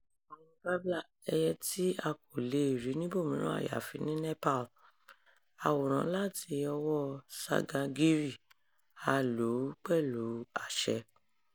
Spiny Babbler, ẹyẹ tí a kò le è rí níbòmìrán àyàfi ní Nepal. Àwòrán láti ọwọ́ọ Sagar Giri. A lò ó pẹ̀lú àṣẹ.